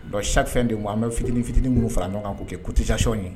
Don sa fɛn de ko an bɛ fitinin fitinin' fara ɲɔgɔn kan ko kɛ kutisasi ye